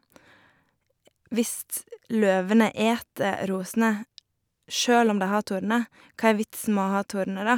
Hvis løvene eter rosene sjøl om de har torner, hva er vitsen med å ha torner da?